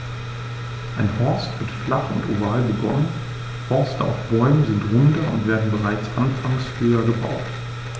Ein Horst wird flach und oval begonnen, Horste auf Bäumen sind runder und werden bereits anfangs höher gebaut.